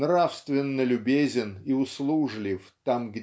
нравственно любезен и услужлив там